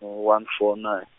no one four nine.